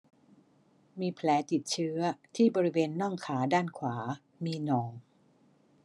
มีแผลติดเชื้อที่บริเวณน่องขาด้านขวามีหนอง